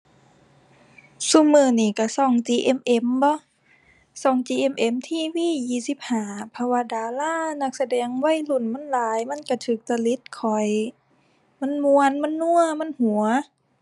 ซุมื้อนี้ก็ก็จีเอ็มเอ็มบ่ ก็จีเอ็มเอ็ม TV ยี่สิบห้า เพราะว่าดารานักแสดงวัยรุ่นมันหลาย มันก็ก็จริตข้อย มันม่วน มันนัว มันหัว